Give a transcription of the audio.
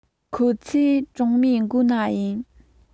ཁོ ཚོའི གྲོང མིའི མགོ ན ཡོད